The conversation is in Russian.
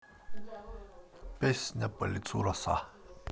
песня по лицу роса